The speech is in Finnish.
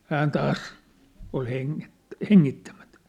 hän taas oli - hengittämättä